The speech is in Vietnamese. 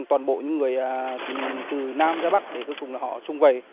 toàn bộ những người à từ nam ra bắc để cuối cùng là họ sum vầy